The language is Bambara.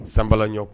Sanbalaɲɔ